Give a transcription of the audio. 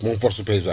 moom force paysane